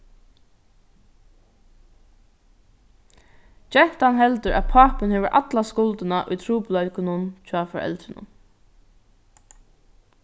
gentan heldur at pápin hevur alla skuldina í trupulleikunum hjá foreldrunum